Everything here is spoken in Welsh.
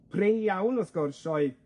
Prin iawn, wrth gwrs, oedd